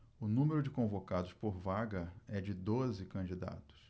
o número de convocados por vaga é de doze candidatos